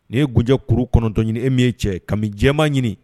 Nin ye gjɛ kuru kɔnɔntɔnɲinie min ye cɛ kabini jɛma ɲini